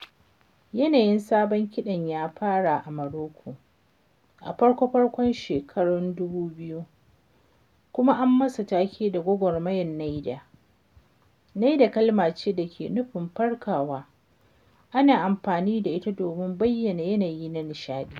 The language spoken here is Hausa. Yanayin sabon kiɗan ya fara a Maroko a farko-farkon shekarun 2000, kuma an masa take da Gwagwarmayar Nayda ("nayda" kalma ce da ke nufin "farkawa", ana amfani da ita domin bayyana yanayi na nishadi).